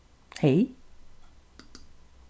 hey